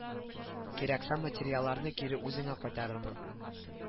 Кирәксә материалларны кире үзеңә кайтарырмын